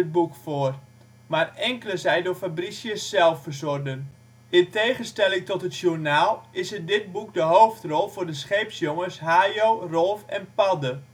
boek voor, maar enkele zijn door Fabricius zelf verzonnen. In tegenstelling tot het journaal, is in dit boek de hoofdrol voor de scheepsjongens Hajo, Rolf en Padde